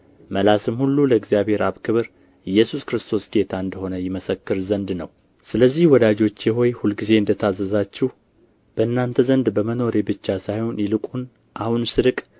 መላስም ሁሉ ለእግዚአብሔር አብ ክብር ኢየሱስ ክርስቶስ ጌታ እንደ ሆነ ይመሰክር ዘንድ ነው ስለዚህ ወዳጆቼ ሆይ ሁልጊዜ እንደ ታዘዛችሁ በእናንተ ዘንድ በመኖሬ ብቻ ሳይሆን ይልቁን አሁን ስርቅ